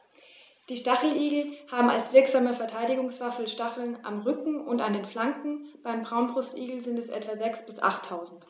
Die Stacheligel haben als wirksame Verteidigungswaffe Stacheln am Rücken und an den Flanken (beim Braunbrustigel sind es etwa sechs- bis achttausend).